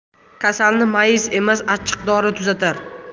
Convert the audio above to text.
kasalni mayiz emas achchiq dori tuzatar